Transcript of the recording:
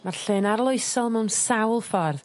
Ma'r lle'n arloesol mewn sawl ffordd.